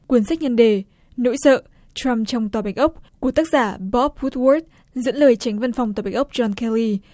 quyển sách nhan đề nỗi sợ trăm trong tòa bạch ốc của tác giả bóp quýt quớt dẫn lời chánh văn phòng tại bạch ốc tron khe ly